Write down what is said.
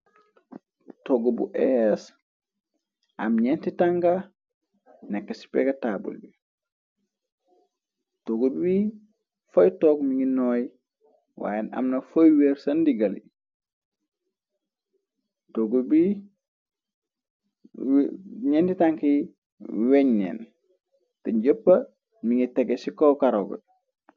togg bu as am nenti tank nekk ci pegataabul bi toggu bi foy toog mi ngi nooy waaye amna foyweer sa ndiggal i ñenti tank yi weeñ neen te njëppa mi ngi tege ci ko-karog